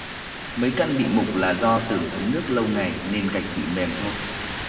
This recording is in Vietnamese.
mấy căn bị mục là do tường thấm nước lâu ngày nên gạch bị mềm thôi